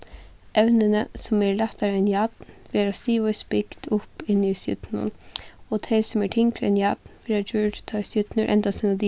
evnini sum eru lættari enn jarn verða stigvíst bygd upp inni í stjørnunum og tey sum eru tyngri enn jarn verða gjørd tá ið stjørnur enda sínar